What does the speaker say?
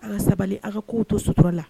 Ala sabali ala k'w to sutura la